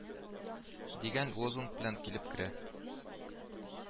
Дигән лозунг белән килеп керә